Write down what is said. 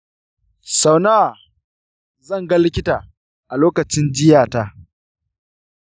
sau nawa zan ga likita a lokacin jiyya ta?